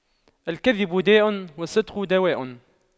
الكذب داء والصدق دواء